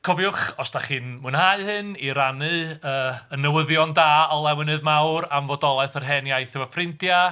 Cofiwch os dach chi'n mwynhau hyn i rannu y... y newyddion da o lawenydd mawr am fodolaeth yr Hen Iaith efo ffrindiau.